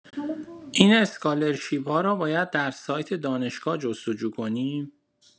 این اسکالر شیپ‌ها را باید در سایت دانشگاه جستجو کنیم؟